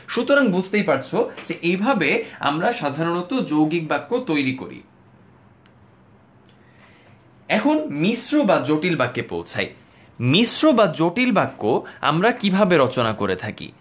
সুতরাং বুঝতেই পারছ যে এভাবে আমরা সাধারণত যৌগিক বাক্য তৈরি করি এখন মিশ্র বা জটিল বাক্যে পৌঁছাই মিশ্র বা জটিল বাক্য আমরা কিভাবে রচনা করে থাকি